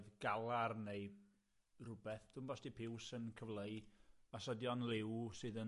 Galar neu rywbeth, dwi'm bo' os 'di piws yn cyfleu, os odi o'n liw sydd yn